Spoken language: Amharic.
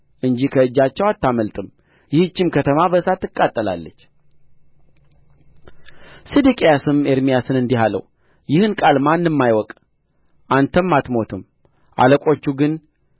እንጂ ከእጃቸው አታመልጥም ይህችም ከተማ በእሳት ትቃጠላለች ሴዴቅያስም ኤርምያስን እንዲህ አለው ይህም ቃል ማንም አይወቅ አንተም አትሞትም አለቆቹ ግን